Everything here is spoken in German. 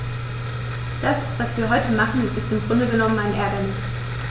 Das, was wir heute machen, ist im Grunde genommen ein Ärgernis.